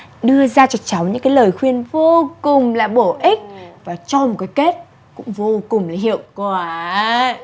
đưa ra cho cháu những cái lời khuyên vô cùng là bổ ích và cho một cái kết cũng vô cùng hiệu quả